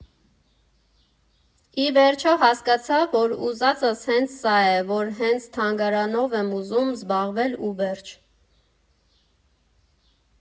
Ի վերջո, հասկացա, որ ուզածս հենց սա է, որ հենց թանգարանով եմ ուզում զբաղվել ու վերջ։